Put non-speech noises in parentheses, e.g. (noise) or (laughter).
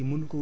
(hesitation) (hesitation)